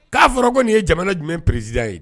K'a fɔra ko nin ye jamana jumɛn pererisi ye